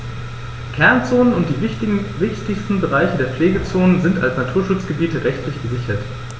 Kernzonen und die wichtigsten Bereiche der Pflegezone sind als Naturschutzgebiete rechtlich gesichert.